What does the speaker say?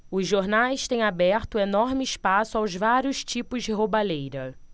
os jornais têm aberto enorme espaço aos vários tipos de roubalheira